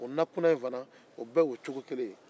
o nakunan fana bɛɛ y'o cogo kelen ye